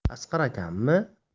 asqar akammi